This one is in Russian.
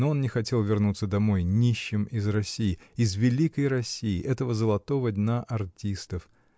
но он не хотел вернуться домой -- нищим из России, из великой России, этого золотого дна артистов